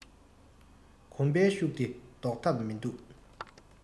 གོམས པའི ཤུགས འདི བཟློག ཐབས མིན འདུག